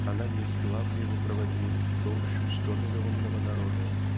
она есть главный его проводник в толщу стомиллионного народа